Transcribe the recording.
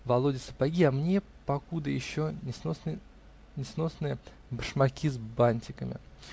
Володе сапоги, а мне покуда еще несносные башмаки с бантиками.